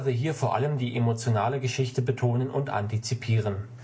hier vor allem „ die emotionale Geschichte betonen und antizipieren